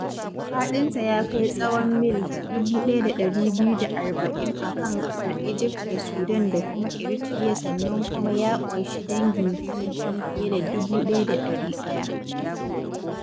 Faɗinsa ya kai tsawon mil 1,240 a kan gaɓar Egypt da Sudan da kuma Eritrea sannan kuma ya ƙunshi dangin kifi fiye da 1,100.